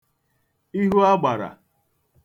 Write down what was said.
ihu agbàrà